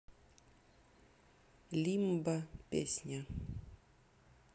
лимба песня